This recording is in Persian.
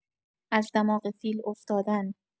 از دماغ فیل افتادن